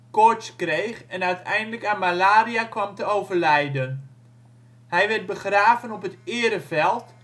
koorts kreeg en uiteindelijk aan malaria kwam te overlijden. Hij werd begraven op het ereveld